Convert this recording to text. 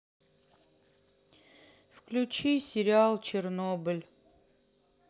включи сериал чернобыль